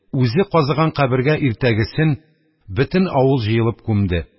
Үзе казыган кабергә иртәгесен бөтен авыл җыелып күмде.